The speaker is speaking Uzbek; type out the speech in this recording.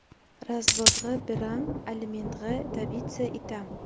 razvodg'a biram alimentg'a dabitsa itam